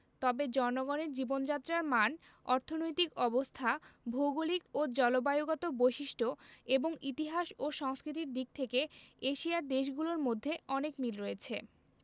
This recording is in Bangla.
তবে জনগণের জীবনযাত্রার মান অর্থনৈতিক অবস্থা ভৌগলিক ও জলবায়ুগত বৈশিষ্ট্য এবং ইতিহাস ও সংস্কৃতির দিক থেকে এশিয়ার দেশগুলোর মধ্যে অনেক মিল রয়েছে